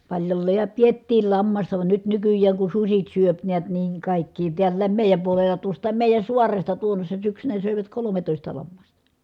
paljolleen ja pidettiin lammasta vaan nyt nykyään kun sudet syö näet niin kaikkia täälläkin meidän puolella tuostakin meidän saaresta tuonnoisena syksynä söivät kolmetoista lammasta